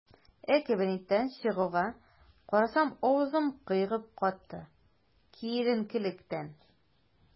Ә кабинеттан чыгуга, карасам - авызым кыегаеп катты, киеренкелектән.